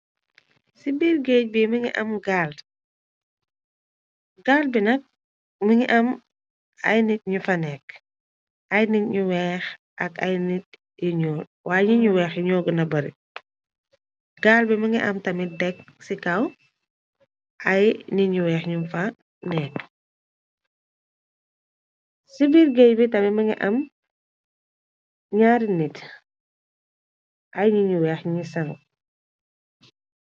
ci birgaej bi i ngi amgaalgaal bi nakk megiam ayi nit away ñi ñu weex yi ñoo gëna bari gaal bi mi ngi am tami dekk ci kaw kkci birgéej bi tami mi ngi am ñaari nit ay ñiy ñu weex ñi san.